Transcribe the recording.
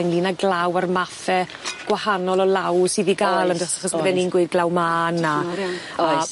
Ynglŷn â glaw a'r mathe gwahanol o law sydd i ga'l... Oes. ...yndo's? Oes oes. Achos bydde ni'n gweud glaw mân a... Oes.